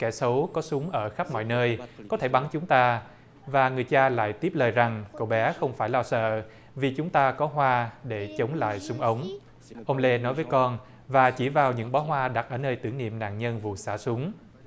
kẻ xấu có súng ở khắp mọi nơi có thể bắn chúng ta và người cha lại tiếp lời rằng cậu bé không phải lo sợ vì chúng ta có hoa để chống lại súng ống ông lê nói với con và chỉ vào những bó hoa đặt ở nơi tưởng niệm nạn nhân vụ xả súng